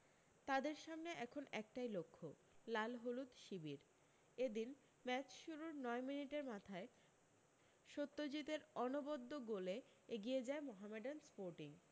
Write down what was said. তাদের সামনে এখন একটাই লক্ষ্য লাল হলুদ শিবির এদিন ম্যাচ শুরুর নয় মিনিটের মাথায় সত্যজিত এর অনবদ্য গোলে এগিয়ে যায় মোহামেডান স্পোর্টিং